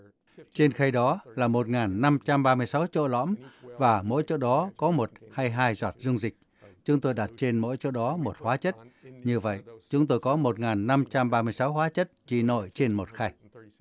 trên khay đó là một ngàn năm trăm ba mươi sáu chỗ lõm và mỗi chỗ đó có một hay hai giọt dung dịch chúng tôi đặt tên mỗi chỗ đó một hóa chất như vậy chúng tôi có một ngàn năm trăm ba mươi sáu hóa chất chỉ nổi trên một khay